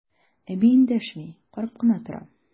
Әби эндәшми, карап кына тора.